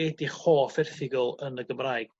be dych hoff erthygl yn y Gymraeg?